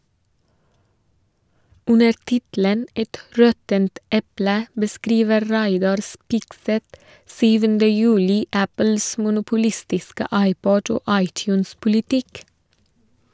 Under tittelen «Et råttent eple» beskriver Reidar Spigseth 7. juli Apples monopolistiske iPod- og iTunes- politikk.